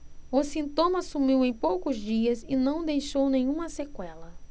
o sintoma sumiu em poucos dias e não deixou nenhuma sequela